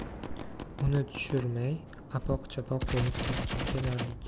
uni tushirmay apoq chapoq bo'lib kelardik